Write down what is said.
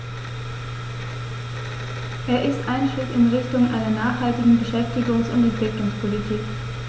Er ist ein Schritt in Richtung einer nachhaltigen Beschäftigungs- und Entwicklungspolitik.